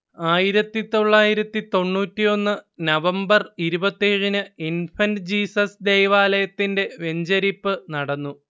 ആയിരത്തിതൊള്ളായിരത്തിത്തൊണ്ണൂത്തിയൊന്ന് November ഇരുപത്തേഴിന് infant Jesus ദേവാലയത്തിന്റെ വെഞ്ചരിപ്പ് നടന്നു